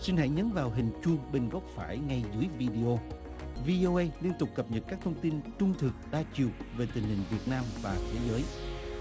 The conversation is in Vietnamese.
xin hãy nhấn vào hình chum bên góc phải ngay dưới vi đi ô vi ô ây liên tục cập nhật các thông tin trung thực đa chiều về tình hình việt nam và thế giới